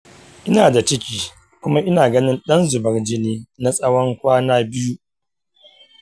ina da ciki kuma ina ganin ɗan zubar jini na tsawon kwana biyu.